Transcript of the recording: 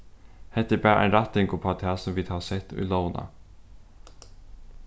hetta er bara ein rætting upp á tað sum vit hava sett í lógina